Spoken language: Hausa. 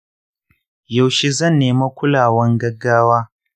yaushe zan nemi kulawan gaggawa